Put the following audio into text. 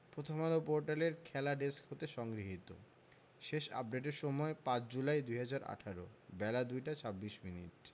প্রথমআলো পোর্টালের খেলা ডেস্ক হতে সংগৃহীত শেষ আপডেটের সময় ৫ জুলাই ২০১৮ বেলা ২টা ২৬মিনিট